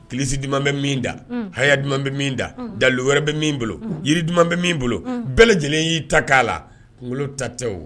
Kilisisi di bɛ min da haya di bɛ min da dali wɛrɛ bɛ bolo jiri di bɛ min bolo bɛɛ lajɛlen y'i ta k'a la kunkolo ta tɛ o